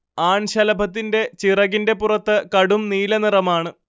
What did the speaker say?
ആൺശലഭത്തിന്റെ ചിറകിന്റെ പുറത്ത് കടും നീലനിറമാണ്